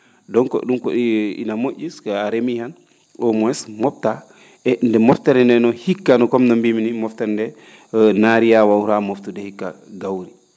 donc ?um ko ina mo??i si a remii han au moins mobtaa e nde mobtere ndee no hikka comme no mbiimi ni moftere ndee naariyaa waawaraa moftude hikka gawri ndi